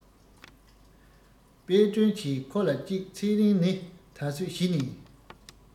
དཔལ སྒྲོན གྱིས ཁོ ལ གཅིག ཚེ རིང ནི ད གཟོད གཞི ནས